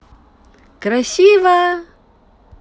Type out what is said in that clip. красиво